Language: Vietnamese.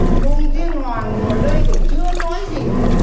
cung thiên hoàng ngồi đây còn chưa nói gì đây này